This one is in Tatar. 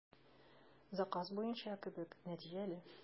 Заказ буенча кебек, нәтиҗәле.